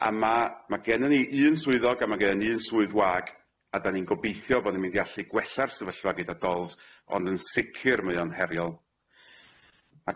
A ma' ma' genno ni un swyddog a ma' gennon ni un swydd wag a 'dan ni'n gobeithio bo ni'n mynd i allu gwella'r sefyllfa gyda dolls ond yn sicir mae o'n heriol.